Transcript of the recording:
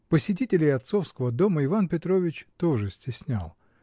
Посетителей отцовского дома Иван Петрович тоже стеснял